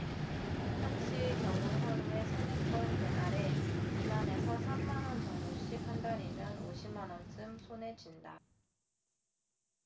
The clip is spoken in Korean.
한씨의 경우 하루에 세 네 건 배달해 이 만 에서 삼 만원 정도씩 한 달이면 오십 만원쯤 손에 쥔다